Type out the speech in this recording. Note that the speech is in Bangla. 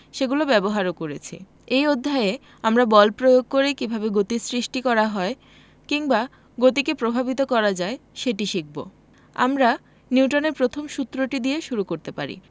সেগুলো ব্যবহারও করেছি এই অধ্যায়ে আমরা বল প্রয়োগ করে কীভাবে গতির সৃষ্টি করা হয় কিংবা গতিকে প্রভাবিত করা যায় সেটি শিখব আমরা নিউটনের প্রথম সূত্রটি দিয়ে শুরু করতে পারি